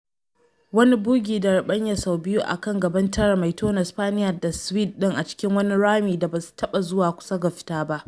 Wani bogey da ruɓanya sau biyu a kan gaban tara mai tona Spaniard da Swede din a cikin wani rami da ba su taɓa zuwa kusa ga fita ba.